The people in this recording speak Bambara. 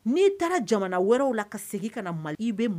N'i taara jamana wɛrɛw la ka segin ka na i bɛ